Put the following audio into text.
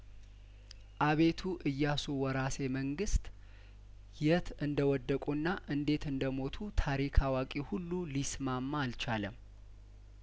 አቤቱ ኢያሱ ወራሴ መንግስት የት እንደወደቁና እንዴት እንደሞቱ ታሪክ አዋቂ ሁሉ ሊስማማ አልቻለም